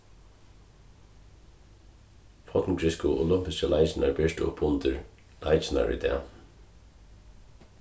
forngriksku olympisku leikirnir birtu upp undir leikirnar í dag